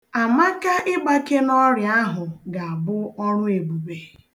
Amaka ịgbake n'ọrịa ahụ ga-abụ ọrụ ebuebe.